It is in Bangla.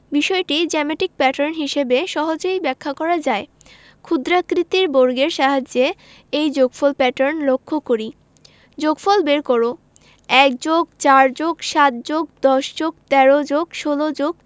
বিষয়টি জ্যামিতিক প্যাটার্ন হিসেবে সহজেই ব্যাখ্যা করা যায় ক্ষুদ্রাকৃতির বর্গের সাহায্যে এই যোগফল প্যাটার্ন লক্ষ করি যোগফল বের করঃ ১+৪+৭+১০+১৩+১৬+